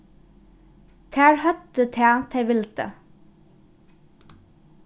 tær høvdu tað tey vildu